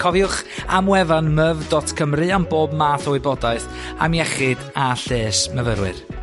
Cofiwch am wefan myf dot cymru am bob math o wybodaeth am iechyd a lles myfyrwyr.